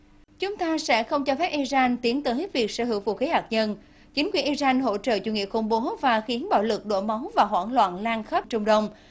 chúng ta sẽ không cho phép i ran tiến tới việc sở hữu vũ khí hạt nhân chính quyền i ran hỗ trợ chủ nghĩa khủng bố và khiến bạo lực đổ máu và hoảng loạn năng khớp trung đông